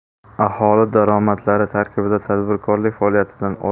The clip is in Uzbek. aholi daromadlari tarkibida tadbirkorlik faoliyatidan